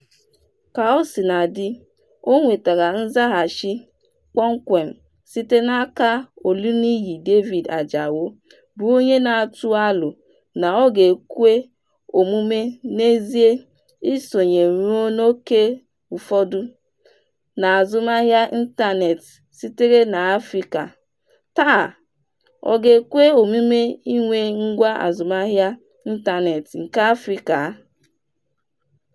Kaosinadị, o nwetara nzaghachi kpọmkwem site n'aka Oluniyi David Ajao bụ onye na-atụ alo na ọ ga-ekwe omume n'ezie isonye ruo n'ókè ụfọdụ n'azụmahịa ịntaneetị sitere n'Afrịka, taa: Ọ ga-ekwe omume inwe ngwa azụmahịa ịntaneetị nke Afrịka?